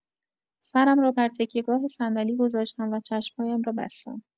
سرم را بر تکیه‌گاه صندلی گذاشتم و چشم‌هایم را بستم.